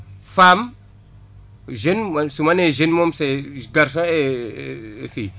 femmes jeunes mooy su ma nee jeune moom c' est perso et aussi